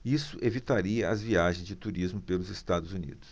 isso evitaria as viagens de turismo pelos estados unidos